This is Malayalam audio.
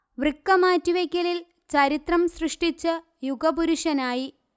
വൃക്കമാറ്റിവെയ്ക്കലിൽ ചരിത്രം സൃഷ്ടിച്ച് യുഗപുരുഷനായി